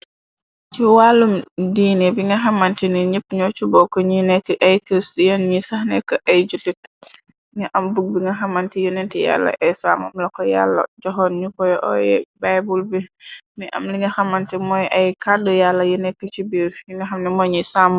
Ci wàllum diiné bi nga xamanti ni ñepp ñoo cu bokk ñiy nekk ay crstian yen ñi sax nekk ay julit. Nga am bug bi nga xamante yunetti yalla essa mom lako yàlla joxoon ñu koy oyé baybul bi. Mi am linga xamante mooy ay kàddu yàlla yu nekk ci biir, yu nga xamni moo ñiy samu.